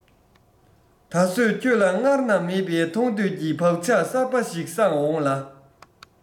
ད བཟོད ཁྱོད ལ སྔར ན མེད པའི མཐོང ཐོས ཀྱི བག ཆགས གསར པ ཞིག བསག འོང ལ